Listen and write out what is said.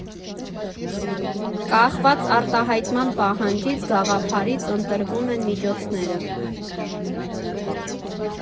Կախված արտահայտման պահանջից, գաղափարից, ընտրվում են միջոցները։